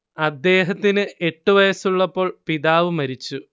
അദ്ദേഹത്തിന് എട്ടു വയസ്സുള്ളപ്പോൾ പിതാവ് മരിച്ചു